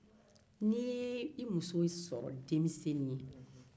ni i y'i muso sɔrɔ denmisɛnnin ye